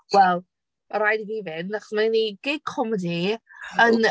Wel ma' raid i fi fynd, achos ma' gen i gig comedi yn...